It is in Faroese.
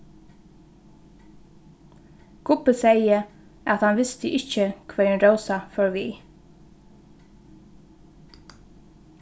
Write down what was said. gubbi segði at hann visti ikki hvørjum rósa fór við